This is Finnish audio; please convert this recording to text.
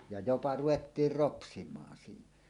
ja jopa ruvettiin ropsimaan siinä